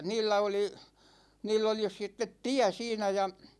niillä oli niillä oli sitten tie siinä ja